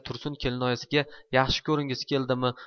tursun kelinoyisiga yaxshi ko'ringisi keldimi